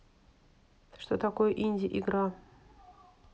что такое инди игра